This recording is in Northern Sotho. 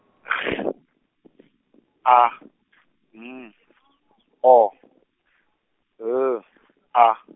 G, A , M , O , L , A.